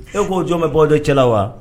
E ko jɔn bɛ bɔ o de cɛla wa